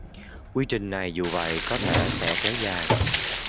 quy trình này dù vậy có thể sẽ kéo dài